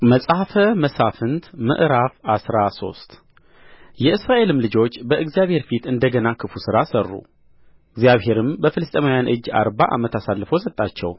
﻿መጽሐፈ መሣፍንት ምዕራፍ አስራ ሶስት የእስራኤልም ልጆች በእግዚአብሔር ፊት እንደ ገና ክፉ ሥራ ሠሩ እግዚአብሔርም በፍልስጥኤማውያን እጅ አርባ ዓመት አሳልፎ ሰጣቸው